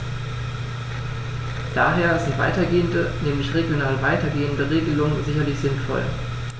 Daher sind weitergehende, nämlich regional weitergehende Regelungen sicherlich sinnvoll.